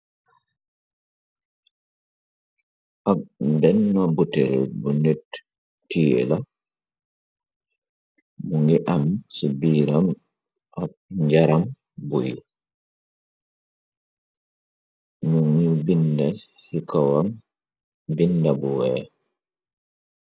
Ab benna butel bu nit tié la mu ngi am ci biiram ak njaram buymu ni bind ci kowam binda bu wekh.